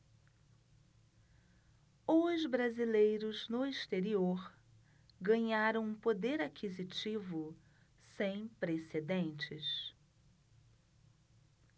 os brasileiros no exterior ganharam um poder aquisitivo sem precedentes